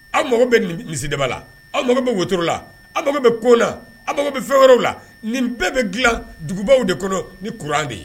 Aw mago bɛ nin deba la aw mako bɛ wo la aw mago bɛ kona aw bɛ fɛn wɛrɛw la nin bɛɛ bɛ dila dugubaww de kɔnɔ ni kuran de ye